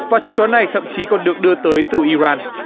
và chú chó này thậm chí còn được đưa tới từ i ran